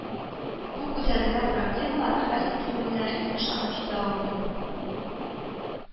Бу күтәрелгән проблемнар хәл ителүенә мин ышанып җитә алмыйм